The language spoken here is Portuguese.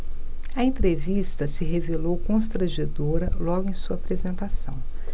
a entrevista se revelou constrangedora logo em sua apresentação